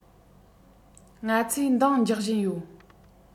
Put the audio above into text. ང ཚོས འདང རྒྱག བཞིན ཡོད